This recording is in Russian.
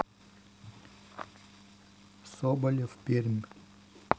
соболев пермь